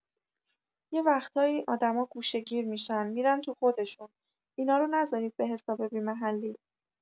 یه وقتایی آدما گوشه‌گیر می‌شن می‌رن تو خودشون، اینا رو نذارید به‌حساب بی‌محلی!